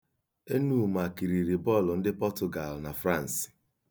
Enuma kiri bọọlụ ndị Pọtụgal na Fransị